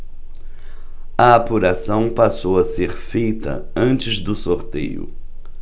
a apuração passou a ser feita antes do sorteio